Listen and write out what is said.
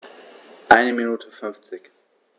Eine Minute 50